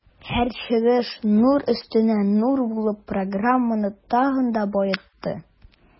Һәр чыгыш нур өстенә нур булып, программаны тагын да баетты.